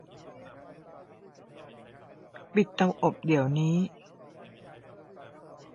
ปิดเตาอบเดี๋ยวนี้